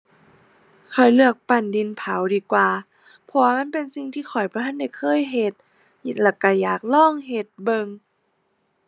ข้อยเลือกปั้นดินเผาดีกว่า เพราะว่ามันเป็นสิ่งที่ข้อยบ่ทันได้เคยเฮ็ด นี่ล่ะก็อยากลองเฮ็ดเบิ่ง